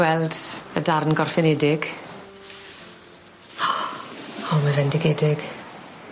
...weld y darn gorffenedig. O mae fendigedig.